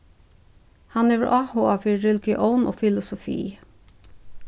hann hevur áhuga fyri religión og filosofi